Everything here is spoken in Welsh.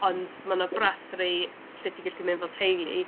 Ond ma' 'na brasserie, lle ti'n gallu mynd fel teulu.